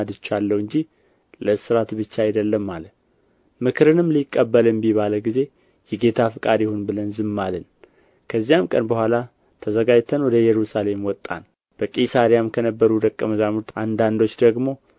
ተሰናድቼአለሁ እንጂ ለእስራት ብቻ አይደለም አለ ምክርንም ሊቀበል እምቢ ባለ ጊዜ የጌታ ፈቃድ ይሁን ብለን ዝም አልን ከዚህም ቀን በኋላ ተዘጋጅተን ወደ ኢየሩሳሌም ወጣን በቂሣርያም ከነበሩ ደቀ መዛሙርት አንዳንዶች ደግሞ